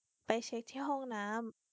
ไปเช็คที่ห้องน้ำ